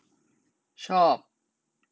ชอบ